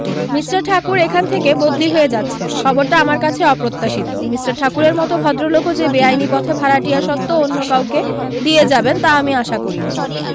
mister Thakur এখান থেকে বদলি হয়ে যাচ্ছেন খবরটা আমার কাছে অপ্রত্যাশিত মিষ্টার ঠাকুরের মতো ভদ্রলোকও যে বেআইনি পথে ভাড়াটিয়া স্বত্ব অন্য কাউকে দিয়ে যাবেন তা আমি আশা করিনি